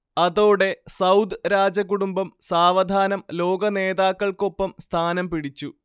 അതോടെ സൗദ് രാജകുടുംബം സാവധാനം ലോക നേതാക്കൾക്കൊപ്പം സ്ഥാനം പിടിച്ചു